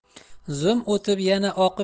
zum o'tmay yana